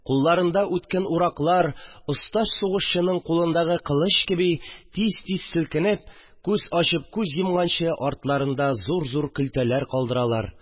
Кулларында үткен ураклар, оста сугышчының кулындагы кылыч кеби, тиз-тиз селкенеп, күз ачып күз йомганчы артларында зур-зур көлтәләр калдыралар